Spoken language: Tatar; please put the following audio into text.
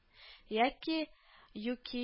Яки юки